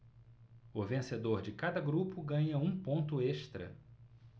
o vencedor de cada grupo ganha um ponto extra